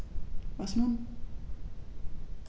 Was nun?